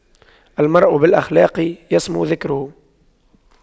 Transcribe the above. المرء بالأخلاق يسمو ذكره